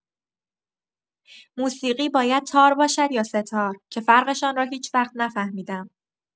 موسیقی باید تار باشد یا سه‌تار، که فرق‌شان را هیج‌وقت نفهمیدم.